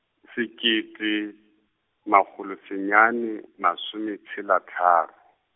sekete, makgolo senyane, masome tshela tharo.